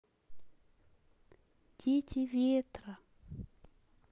дети ветра